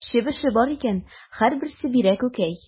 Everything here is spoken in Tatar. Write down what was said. Чебеше бар икән, һәрберсе бирә күкәй.